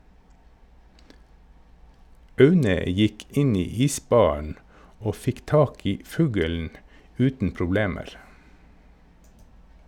Aune gikk inn i isbaren og fikk tak i fuglen uten problemer.